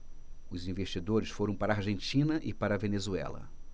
os investidores foram para a argentina e para a venezuela